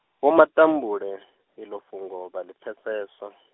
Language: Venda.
Vho Matambule, iḽo fhungo, vha ḽi pfesesa.